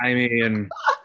I mean... .